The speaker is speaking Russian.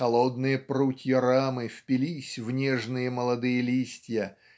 "холодные прутья рамы впились в нежные молодые листья